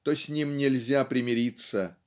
то с ним нельзя примириться